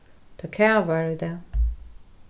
tað kavar í dag